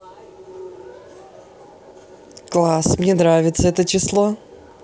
класс мне нравится это число